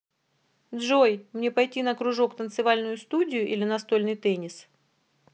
джой мне пойти на кружок танцевальную студию или настольный теннис